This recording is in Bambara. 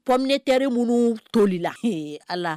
Pm teriri minnu toli la a la